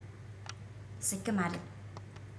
སྲིད གི མ རེད